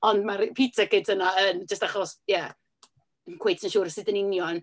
Ond mae'r pizza kit yna yn, jyst achos, ie, ddim cweit yn siŵr sut yn union...